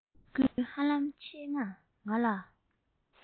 ཀུན ཧ ལམ ཆེད མངགས ང ལ